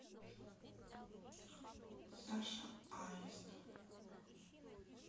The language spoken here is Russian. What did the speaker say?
саша аист